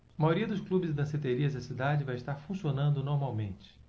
a maioria dos clubes e danceterias da cidade vai estar funcionando normalmente